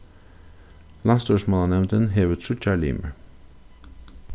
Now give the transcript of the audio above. landsstýrismálanevndin hevur tríggjar limir